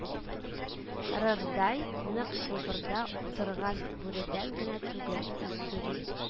Рырдай нык чылбырда утырган бүредән генә түгел, уссури